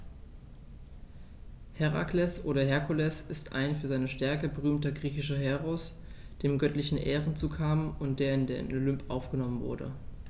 Herakles oder Herkules ist ein für seine Stärke berühmter griechischer Heros, dem göttliche Ehren zukamen und der in den Olymp aufgenommen wurde.